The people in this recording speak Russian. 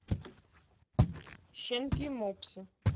щенки мопсы